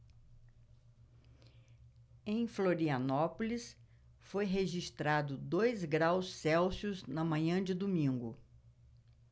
em florianópolis foi registrado dois graus celsius na manhã de domingo